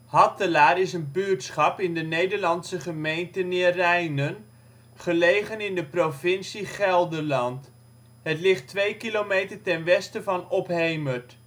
Hattelaar is een buurtschap in de Nederlandse gemeente Neerijnen, gelegen in de provincie Gelderland. Het ligt 2 kilometer ten westen van Ophemert